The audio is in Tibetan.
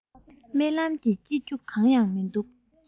རྨི ལམ ནི སྐྱིད རྒྱུ གང ཡང མི འདུག